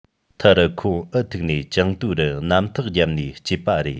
མཐར ཁོང འུ ཐུག ནས ཅང ཏུའུ རུ གནམ ཐག བརྒྱབ ནས ལྕེབས པ རེད